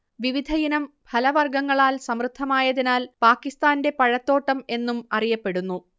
വിവിധയിനം ഫലവർഗങ്ങളാൽ സമൃദ്ധമായതിനാൽ പാകിസ്താന്റെ പഴത്തോട്ടം എന്നും അറിയപ്പെടുന്നു